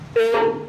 Hɛrɛ